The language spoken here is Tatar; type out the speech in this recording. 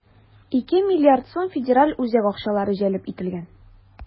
2 млрд сум федераль үзәк акчалары җәлеп ителгән.